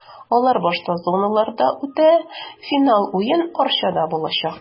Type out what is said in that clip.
Алар башта зоналарда үтә, финал уен Арчада булачак.